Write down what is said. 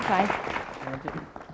chào anh